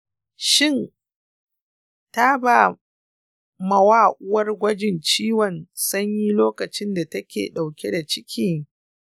shin taba mawa uwar gwajin ciwon sanyi lokacinda take dauke da ciki?